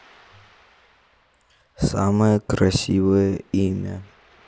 самое красивое имя